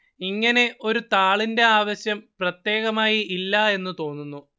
ഇങ്ങനെ ഒരു താളിന്റെ ആവശ്യം പ്രത്യേകമായി ഇല്ല എന്നു തോന്നുന്നു